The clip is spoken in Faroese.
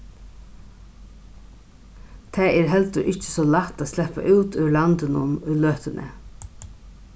tað er heldur ikki so lætt at sleppa út úr landinum í løtuni